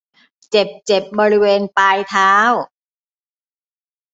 เจ็บเจ็บบริเวณปลายเท้า